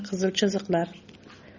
qizil chiziqlar